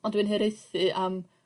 ond dwi'n hiraethu am